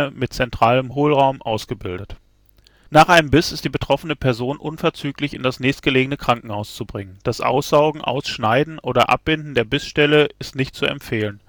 mit zentralem Hohlraum ausgebildet. Nach einem Biss ist die betroffene Person unverzüglich in das nächstgelegene Krankenhaus zu bringen. Das Aussaugen, Ausschneiden oder Abbinden der Bissstelle ist nicht zu empfehlen